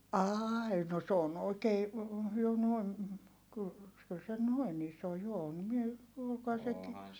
ai no se on oikein jo noin kyllä kyllä se noin iso jo on minä puhuikohan sekin